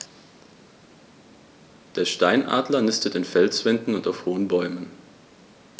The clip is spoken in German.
Der Steinadler nistet in Felswänden und auf hohen Bäumen.